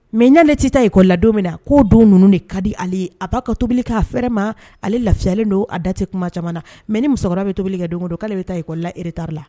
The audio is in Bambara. Mɛ ɲɛlen tɛta yen ko la don min na koo don ninnu de ka di ale a ba ka tobili k'a fɛrɛɛrɛ ma ale lafiyalen don a dase tuma caman mɛ ni musokɔrɔba bɛ tobili kɛ don don k'ale bɛ taa i ko laretari la